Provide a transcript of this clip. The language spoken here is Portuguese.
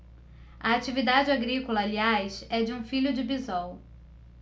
a atividade agrícola aliás é de um filho de bisol